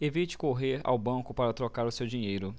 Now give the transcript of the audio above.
evite correr ao banco para trocar o seu dinheiro